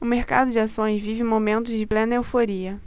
o mercado de ações vive momentos de plena euforia